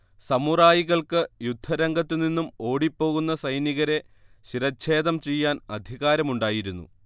സമുറായികൾക്ക് യുദ്ധരംഗത്തുനിന്നും ഓടിപ്പോകുന്ന സൈനികരെ ശിരഛേദം ചെയ്യാൻ അധികാരമുണ്ടായിരുന്നു